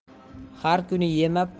har kuni yema palovni